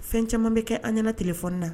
Fɛn caman bɛ kɛ an ɲɛna tileele fɔ na